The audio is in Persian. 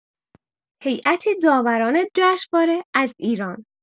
هیات داوران جشنواره از ایران